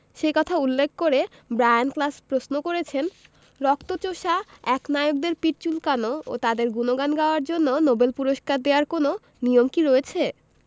সে কথা উল্লেখ করে ব্রায়ান ক্লাস প্রশ্ন করেছেন রক্তচোষা একনায়কদের পিঠ চুলকানো ও তাঁদের গুণগান গাওয়ার জন্য নোবেল পুরস্কার দেওয়ার কোনো নিয়ম কি রয়েছে